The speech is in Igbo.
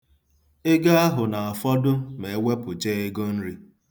Ego ahụ na-afọdụ ma e wepụchaa ego nri.